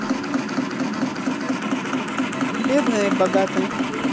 бедная и богатая